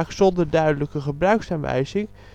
zonder duidelijke gebruiksaanwijzing